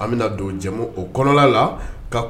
an bɛna don o kɔnɔ la ka